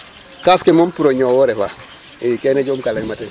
Kaaf ke moom pour o ñoow o refa ii kene jeg'um ka layma teen.